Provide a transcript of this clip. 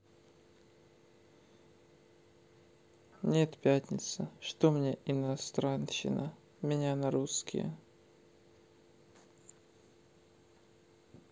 нет пятница что мне иностранщина меня на русские